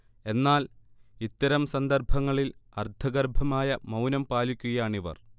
എന്നാൽ ഇത്തരം സന്ദർഭങ്ങളിൽ അർത്ഥഗർഭമായ മൗനം പാലിക്കുകയാണിവർ